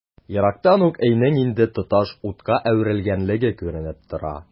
Ерактан ук өйнең инде тоташ утка әверелгәнлеге күренеп тора.